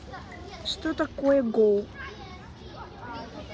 что такое го